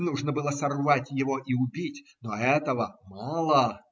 Нужно было сорвать его и убить. Но этого мало,